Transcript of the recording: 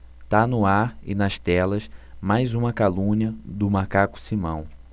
tá no ar e nas telas mais uma calúnia do macaco simão